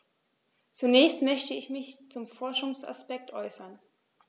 Zunächst möchte ich mich zum Forschungsaspekt äußern.